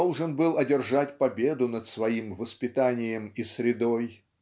должен был одержать победу над своим воспитанием и средой